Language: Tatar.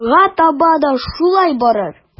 Алга таба да шулай барыр.